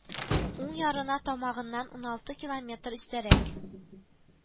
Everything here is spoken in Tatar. Уң ярына тамагыннан уналты километр өстәрәк